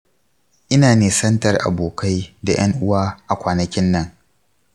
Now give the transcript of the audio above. ina nisantar abokai da ’yan uwa a kwanakin nan.